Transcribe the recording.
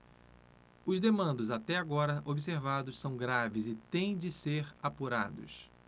os desmandos até agora observados são graves e têm de ser apurados